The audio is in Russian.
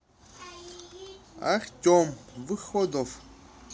артем выходов